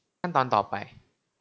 ขั้นตอนต่อไป